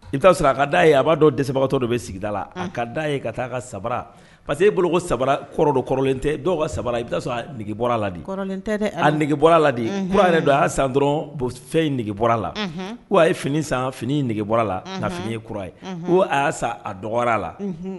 I bɛ taa sɔrɔ a ka da ye a b'a dɔn dɛsɛsabagatɔ dɔ bɛ sigida la a ka ye ka taa a ka sabara pa que e bolo ko sabara kɔrɔ kɔrɔlen tɛ dɔw ka saba i bɛ taa sɔrɔ age bɔra ladi tɛ age bɔra la k' yɛrɛ don a y'a san dɔrɔn fɛnge bɔra la k' a ye fini san finige bɔra la ka fini ye kura ye ko a'a san a dɔgɔ la